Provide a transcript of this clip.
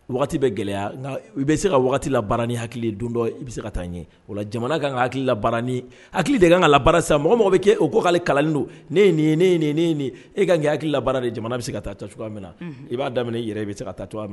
Wagati bɛ gɛlɛya nka i bɛ se ka la baara ni hakili don dɔ i bɛ se ka taa ɲɛ wa jamana kan ka hakili la bara ni hakili de kaga la baara bara sa mɔgɔ mɔgɔ bɛ kɛ o koale kalan nin don ne nin e ka kan hakili la bara de jamana bɛ se ka taa ta cogoya min na i b'a daminɛ yɛrɛ e bɛ se ka taa cogoya minɛ